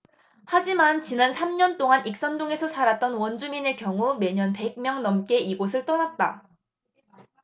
하지만 지난 삼 년동안 익선동에서 살았던 원주민의 경우 매년 백 명 넘게 이곳을 떠났다